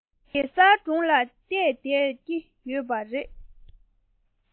གེ སར སྒྲུང ལ བལྟས བསྡད ཀྱི ཡོད པ རེད